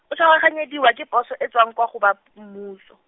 o tshoganyediwa ke poso e tswa kwa go ba mmuso.